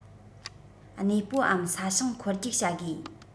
གནས སྤོའམ ས ཞིང འཁོར རྒྱུག བྱ དགོས